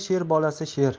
sher bolasi sher